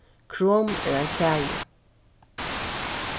chrome er ein kagi